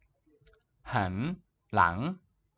หันหลัง